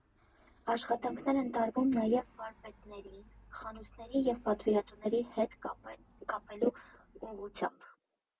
Աշխատանքներ են տարվում նաև վարպետներին խանութների և պատվիրատուների հետ կապելու ուղղությամբ։